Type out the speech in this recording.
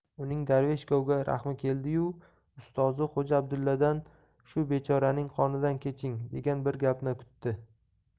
uning darvesh govga rahmi keldi yu ustozi xo'ja abdulladan shu bechoraning qonidan keching degan bir gapni kutdi